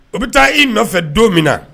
U bɛ taa i nɔfɛ don min na